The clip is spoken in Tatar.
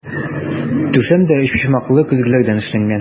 Түшәм дә өчпочмаклы көзгеләрдән эшләнгән.